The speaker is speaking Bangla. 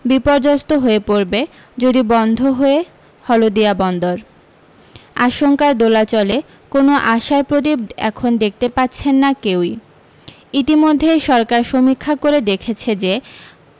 বিপর্যস্ত হয়ে পড়বে যদি বন্ধ হয়ে হলদিয়া বন্দর আশঙ্কার দোলাচলে কোনও আশার প্রদীপ এখন দেখতে পাচ্ছেন না কেউই ইতিমধ্যেই সরকার সমীক্ষা করে দেখেছে যে